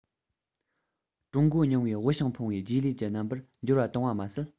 ཀྲུང གོ རྙིང པའི དབུལ ཞིང ཕོངས པའི རྗེས ལུས ཀྱི རྣམ པར འགྱུར བ བཏང བ མ ཟད